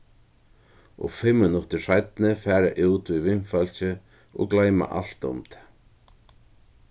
og fimm minuttir seinni fara út við vinfólki og gloyma alt um tað